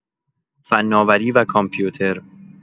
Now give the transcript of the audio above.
فناوری و کامپیوتر